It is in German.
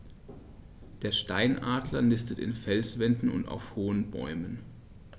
Der Steinadler nistet in Felswänden und auf hohen Bäumen.